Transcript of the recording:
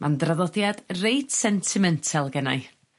Ma'n draddodiad reit sentimental gennai.